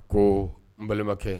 Ko n balaba kɛ